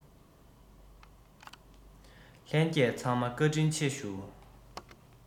ལྷན རྒྱས ཚང མ བཀའ དྲིན ཆེ ཞུ